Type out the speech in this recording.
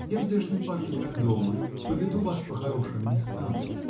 -- Я в здешнем парке как дома:поведу вас по хорошим местам.